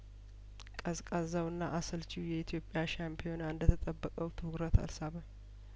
ቀዝቃዛውና አሰልቺው የኢትዮጵያ ሻምፒዮና እንደተጠበቀው ትኩረት አልሳበም